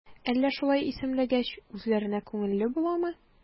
Әллә шулай исемләгәч, үзләренә күңелле буламы?